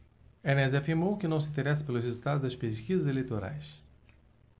enéas afirmou que não se interessa pelos resultados das pesquisas eleitorais